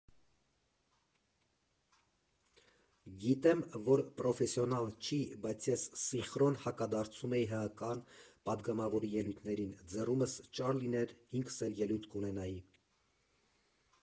Գիտեմ, որ պրոֆեսիոնալ չի, բայց ես սինխրոն հակադարձում էի ՀՀԿ֊ական պատգամավորների ելույթներին, ձեռումս ճար լիներ՝ ինքս էլ ելույթ կունենայի։